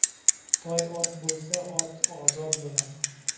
toy ot bo'lsa ot ozod bo'lar